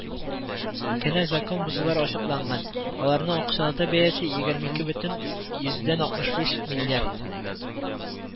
Кенә закон бозулар ачыкланган, аларның акчалата бәясе егерме ике бөтен йөздән алтмыш биш миллиард